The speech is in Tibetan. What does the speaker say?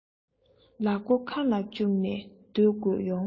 ལག མགོ ཁ ལ བཅུག ནས སྡོད དགོས ཡོང